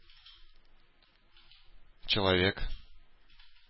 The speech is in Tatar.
Человек